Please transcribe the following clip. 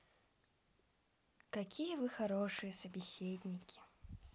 какие вы хорошие собеседники